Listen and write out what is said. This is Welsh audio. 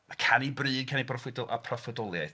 A canu bryd, canu broffwydol- a proffwydoliaeth.